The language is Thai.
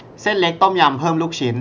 เส้นเล็กต้มยำเพิ่มลูกชิ้น